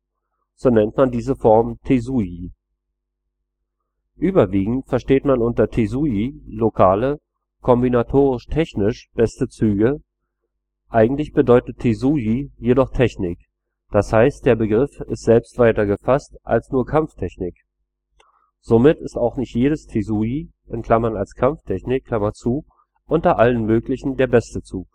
so nennt man diese Form ein Tesuji. Überwiegend versteht man unter Tesuji lokale, kombinatorisch/technisch beste Züge; eigentlich bedeutet Tesuji jedoch ‚ Technik ‘, das heißt der Begriff ist selbst weiter gefasst als nur „ Kampftechnik “. Somit ist auch nicht jedes Tesuji (als Kampftechnik) unter allen möglichen der beste Zug